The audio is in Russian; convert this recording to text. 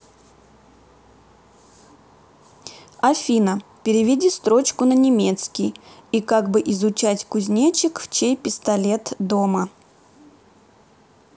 афина переведи строчку на немецкий и как бы изучать кузнечик в чей пистолет дома